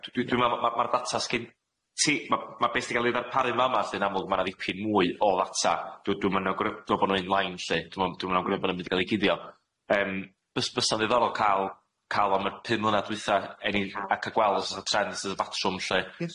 Ia dwi dwi dwi me'wl ma' ma' ma'r data sgin ti ma' ma' be' sy'n ga'l i ddarparu ma' ma' lly yn amlwg ma' na ddipyn mwy o ddata dw- dw- dwi'm yn aw line lly, dwi'm yn awgyrymu bo na ddim di gal i guddio bys- bysa'n ddiddorol ca'l ca'l am y pum mlynadd dwetha eni ac y gweld os o'dd y trends yn y batrwm lly.